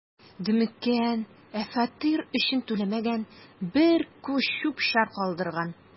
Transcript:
„дөмеккән, ә фатир өчен түләмәгән, бер күч чүп-чар калдырган“.